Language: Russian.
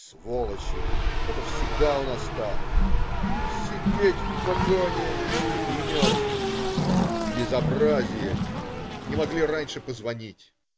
"сволочи, это всегда у нас так!", "сидеть в вагоне-не в степи мерзнуть", "безобразие, не могли раньше позвонить!".